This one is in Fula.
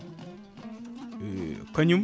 kañum